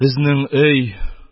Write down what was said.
Безнең өй